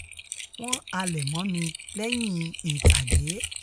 Wọ́n halẹ̀ mọ́ mi lẹ́yìn ìtàge.